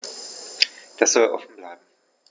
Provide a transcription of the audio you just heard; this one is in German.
Das soll offen bleiben.